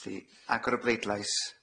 Felly, agor y bleidlais.